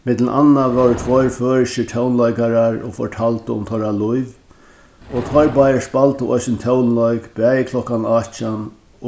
millum annað vóru tveir føroyskir tónleikarar og fortaldu um teirra lív og teir báðir spældu eisini tónleik bæði klokkan átjan